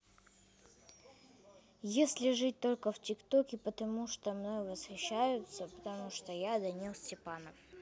если жить только в тик токе потому что мной восхищаются потому что я данил степанов